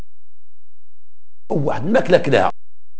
واحد مثلك